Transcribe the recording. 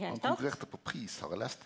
han konkurrerte på pris har eg lese.